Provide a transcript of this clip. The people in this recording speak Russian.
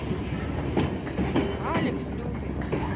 алекс лютый